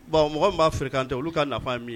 Bon mɔgɔ b'a fri kantɛ olu ka nafa min ye